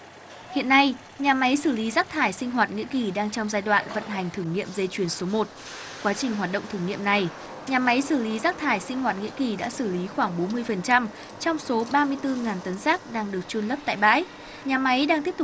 hiện nay nhà máy xử lý rác thải sinh hoạt nghĩa kỳ đang trong giai đoạn vận hành thử nghiệm dây chuyền số một quá trình hoạt động thử nghiệm này nhà máy xử lý rác thải sinh hoạt nghĩa kỳ đã xử lý khoảng bốn mươi phần trăm trong số ba mươi tư ngàn tấn rác đang được chôn lấp tại bãi nhà máy đang tiếp